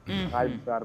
Ha faa